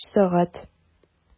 Өч сәгать!